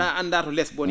tawa a anndaa to lees bonii